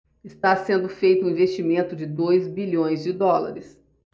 está sendo feito um investimento de dois bilhões de dólares